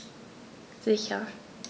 Sicher.